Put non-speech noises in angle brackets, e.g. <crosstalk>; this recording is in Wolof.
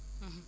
<hesitation> <hesitation>